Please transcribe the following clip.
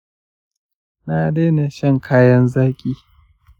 na daina shan kayan zaƙi.